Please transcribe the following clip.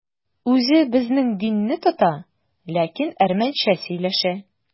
Үзе безнең динне тота, ләкин әрмәнчә сөйләшә.